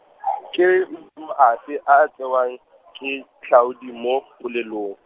ke a a tsewang, ke tlhaodi mo, polelong.